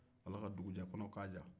ala ka dugujɛ kɔnɔ kan diya